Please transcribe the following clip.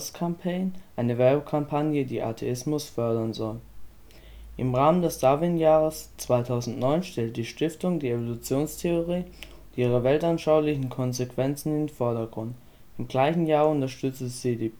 Campaign, eine Werbekampagne, die Atheismus fördern soll. Im Rahmen des Darwinjahres 2009 stellte die Stiftung die Evolutionstheorie und ihre weltanschaulichen Konsequenzen in den Vordergrund. Im gleichen Jahr unterstützte sie die